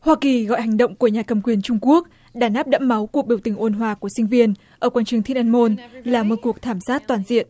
hoa kỳ gọi hành động của nhà cầm quyền trung quốc đàn áp đẫm máu cuộc biểu tình ôn hòa của sinh viên ở quảng trường thiên an môn là một cuộc thảm sát toàn diện